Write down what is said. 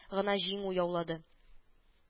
Гына җиңү яулады